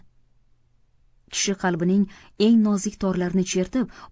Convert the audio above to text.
kishi qalbining eng nozik torlarini chertib